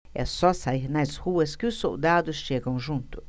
é só sair nas ruas que os soldados chegam junto